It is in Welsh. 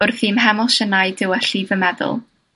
wrth i'm hemosynau dywylli fy meddwl,